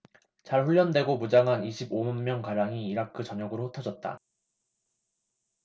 잘 훈련되고 무장한 이십 오 만 명가량이 이라크 전역으로 흩어졌다